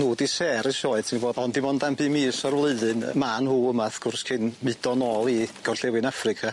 Nw 'di ser y sioe ti'n gwbod ond dim ond am bum mis o'r flwyddyn yy ma' nw yma wrth gwrs cyn mudo nôl i gorllewin Affrica.